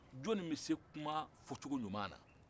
joni bɛ se kuma fɔcogo ɲuma na